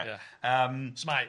Yym, su'mae.